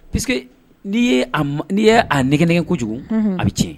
Ps queke n n'i ye a nɛgɛn kojugu a bɛ tiɲɛ